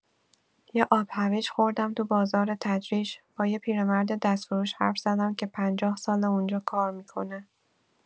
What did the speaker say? یه آب‌هویج خوردم تو بازار تجریش، با یه پیرمرد دستفروش حرف زدم که پنجاه‌ساله اونجا کار می‌کنه.